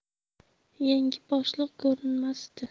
yangi boshliq ko'rinmasdi